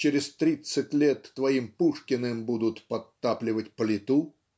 через тридцать лет твоим Пушкиным будут подтапливать плиту